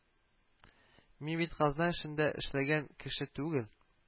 Мин бит казна эшендә эшләгән кеше түгел